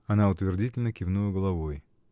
Она утвердительно кивнула головой.